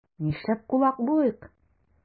Нишләп кулак булыйк?